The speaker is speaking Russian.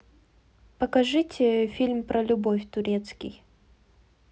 покажите фильм про любовь турецкий